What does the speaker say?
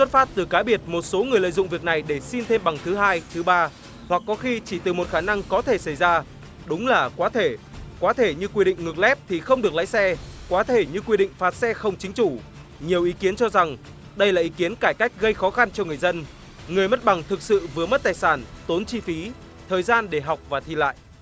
phát từ cá biệt một số người lợi dụng việc này để xin thêm bằng thứ hai thứ ba hoặc có khi chỉ từ một khả năng có thể xảy ra đúng là quá thể quá thể như quy định ngực lép thì không được lái xe quá thể như quy định phạt xe không chính chủ nhiều ý kiến cho rằng đây là ý kiến cải cách gây khó khăn cho người dân người mất bằng thực sự vừa mất tài sản tốn chi phí thời gian để học và thi lại